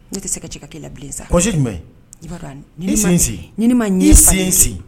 Ne tɛ se ka ka la bilen sasi tun sensin ma sensin